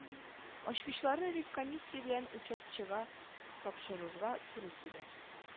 Ачкычларны ревкомиссия белән учетчыга тапшырырга туры килер